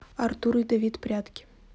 артур и давид прятки